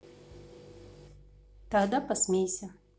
тогда посмейся